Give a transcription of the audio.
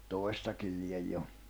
toistakin lie jo